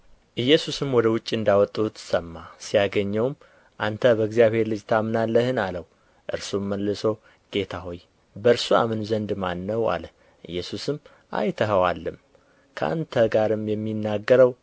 ኢየሱስም ወደ ውጭ እንዳወጡት ሰማ ሲያገኘውም አንተ በእግዚአብሔር ልጅ ታምናለህን አለው እርሱም መልሶ ጌታ ሆይ በእርሱ አምን ዘንድ ማን ነው አለ ኢየሱስም አይተኸዋልም ከአንተ ጋርም የሚናገረው